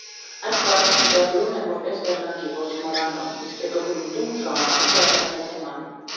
Այդ պահին մի տեղ գրում եմ որպես վերնագիր, որ չմոռանամ, իսկ հետո գնում տուն ու շարունակում զարգացնել թեման։